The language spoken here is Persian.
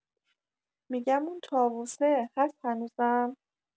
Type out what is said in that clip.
می‌گم اون طاووسه هس هنوزم؟